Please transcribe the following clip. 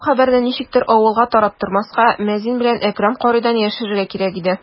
Бу хәбәрне ничектер авылга тараттырмаска, мәзин белән Әкрәм каридан яшерергә кирәк иде.